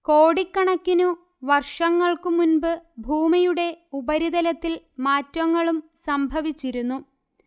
കോടിക്കണക്കിനു വർഷങ്ങൾക്കു മുൻപ് ഭൂമിയുടെ ഉപരിതലത്തിൽ മാറ്റങ്ങളും സംഭവിച്ചിരുന്നു